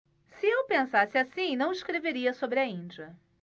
se eu pensasse assim não escreveria sobre a índia